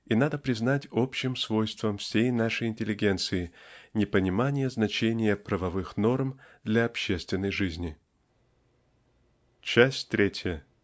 И надо признать общим свойством всей нашей интеллигенции непонимание значения правовых норм для общественной жизни. Часть третья.